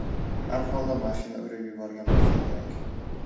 har holda mashina urib yuborgan bo'lsa kerak